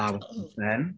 That was something.